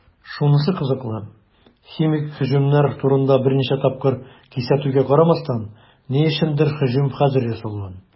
Шунысы кызыклы, химик һөҗүмнәр турында берничә тапкыр кисәтүгә карамастан, ни өчендер һөҗүм хәзер ясалган.